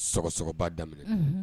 Sɔgɔsɔgɔba daminɛ, unhun